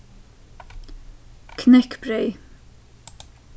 knekkbreyð